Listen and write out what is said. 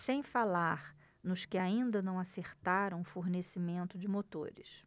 sem falar nos que ainda não acertaram o fornecimento de motores